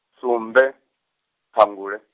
sumbe, ṱhangule.